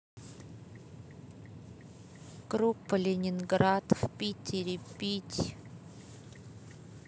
группа ленинград в питере пить